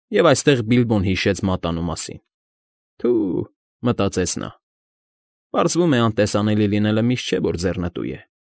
Եվ այսպես Բիլբոն հիշեց մատանու մասին։ «Թո՛ւ,֊ մտածեց նա։֊ Պարզվում է, անտեսանելի լինելը միշտ չէ, որ ձեռնտու է։